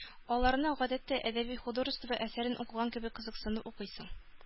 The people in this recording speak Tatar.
Аларны, гадәттә, әдәби-художество әсәрен укыган кебек кызыксынып укыйсың.